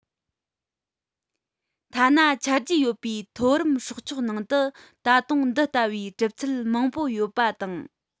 ཐ ན ཆ རྒྱུས ཡོད པའི མཐོ རིམ སྲོག ཆགས ནང དུ ད དུང འདི ལྟ བུའི གྲུབ ཚུལ མང པོ ཡོད པ དང